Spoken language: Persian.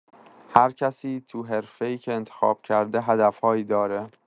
هر کسی تو حرفه‌ای که انتخاب کرده، هدف‌هایی داره.